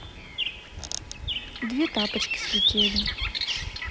две тапочки слетели